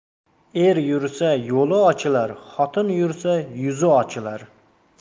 er yursa yo'li ochilar xotin yursa yuzi ochilar